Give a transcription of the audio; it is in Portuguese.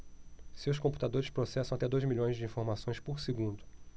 seus computadores processam até dois milhões de informações por segundo